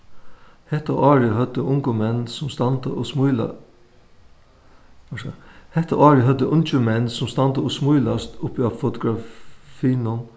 hetta árið høvdu ungu menn sum standa og smíla orsaka hetta árið høvdu ungir menn sum standa og smílast uppi á